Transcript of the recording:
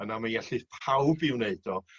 yna mi ellith pawb i wneud o.